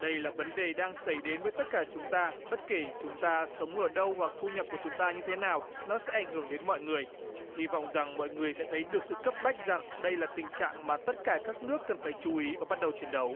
đây là vấn đề đang xảy đến với tất cả chúng ta bất kể chúng ta sống ở đâu hoặc thu nhập của chúng ta như thế nào nó sẽ ảnh hưởng đến mọi người hy vọng rằng mọi người sẽ thấy được sự cấp bách rằng đây là tình trạng mà tất cả các nước cần phải chú ý và bắt đầu chiến đấu